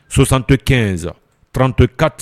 7534